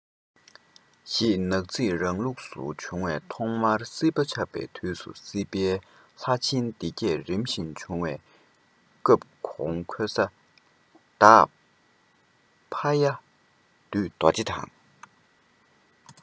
ཞེས ནག རྩིས རང ལུགས སུ བྱུང བའི ཐོག མར སྲིད པ ཆགས པའི དུས སུ སྲིད པའི ལྷ ཆེན སྡེ བརྒྱད རིམ བཞིན བྱུང བའི སྐབས གོང འཁོད ས བདག ཕ ཡ བདུད རྡོ རྗེ དང